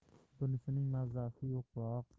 bunisining mazasi yo'qroq